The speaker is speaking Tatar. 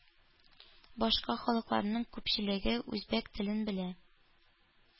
Башка халыкларның күпчелеге үзбәк телен белә.